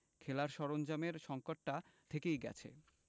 খেলার সরঞ্জামের সংকটটা থেকেই গেছে